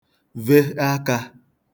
ve akā